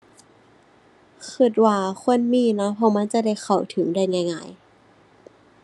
คิดว่าควรมีนะ เพราะมันจะได้เข้าถึงได้ง่ายง่าย